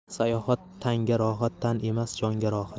sayohat tanga rohat tan emas jonga rohat